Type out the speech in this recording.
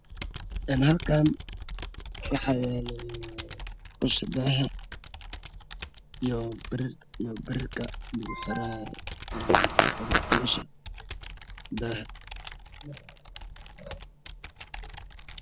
Halkaan waxa yaalo usha daaha iyo birta lagu xiraayo usha daaha